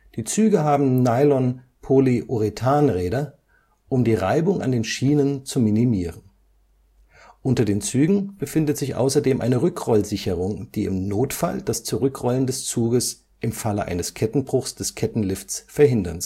Die Züge haben Nylon-Polyurethan-Räder, um die Reibung an den Schienen zu minimieren. Unter den Zügen befindet sich außerdem eine Rückrollsicherung, die im Notfall das Zurückrollen des Zuges im Falle eines Kettenbruchs des Kettenlifts verhindern